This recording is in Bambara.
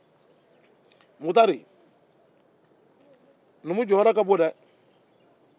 numu jɔyɔrɔ ka bon dɛ mukutari